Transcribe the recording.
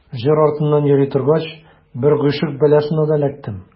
Җыр артыннан йөри торгач, бер гыйшык бәласенә дә эләктем.